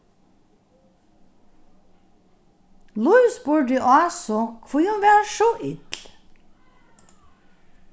lív spurdi ásu hví hon var so ill